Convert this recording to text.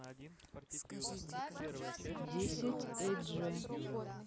десять эйдже